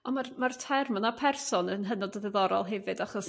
Ond ma' ma'r term 'ma... Ma person yn hynod o ddiddorol hefyd achos